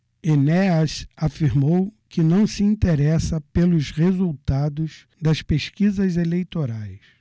enéas afirmou que não se interessa pelos resultados das pesquisas eleitorais